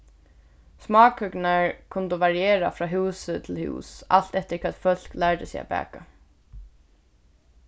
smákøkurnar kundu variera frá húsi til hús alt eftir hvat fólk lærdu seg at baka